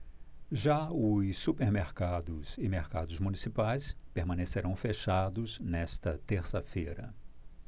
já os supermercados e mercados municipais permanecerão fechados nesta terça-feira